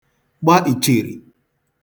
gba ìtchìrì